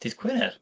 Dydd Gwener?